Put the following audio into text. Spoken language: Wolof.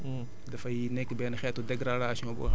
te li ñu naan érosion éolienne